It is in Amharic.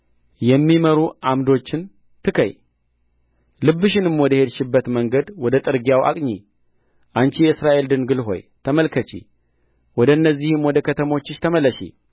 የሚመሩ ዓምዶችን ትከዪ ልብሽንም ወደ ሄድሽበት መንገድ ወደ ጥርጊያው አቅኚ አንቺ የእስራኤል ድንግል ሆይ ተመለሺ ወደ እነዚህም ወደ ከተሞችሽ ተመለሺ